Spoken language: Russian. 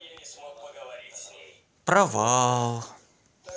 провал